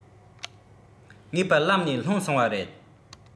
ངེས པར ལམ ནས ལྷུང སོང བ རེད